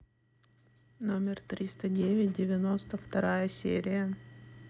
номер триста девять девяносто вторая серия